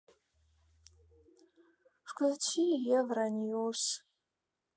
включи евро ньюс